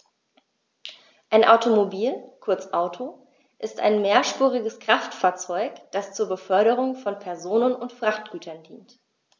Ein Automobil, kurz Auto, ist ein mehrspuriges Kraftfahrzeug, das zur Beförderung von Personen und Frachtgütern dient.